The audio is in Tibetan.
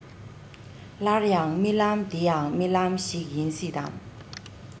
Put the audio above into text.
སླར ཡང རྨི ལམ དེ ཡང རྨི ལམ ཞིག ཡིན སྲིད དམ